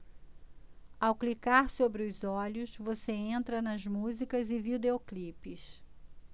ao clicar sobre os olhos você entra nas músicas e videoclipes